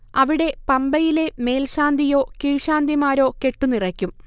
അവിടെ പമ്പയിലെ മേൽശാന്തിയോ കീഴ്ശാന്തിമാരോ കെട്ടു നിറയ്ക്കും